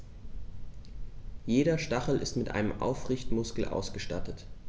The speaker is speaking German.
Jeder Stachel ist mit einem Aufrichtemuskel ausgestattet.